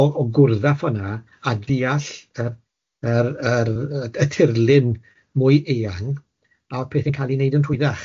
o o gwrdd â ffor 'na a deall y yr yr y tirlun mwy eang a o'dd pethe'n cae'l ei neud yn rhwyddach.